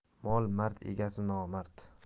mol mard egasi nomard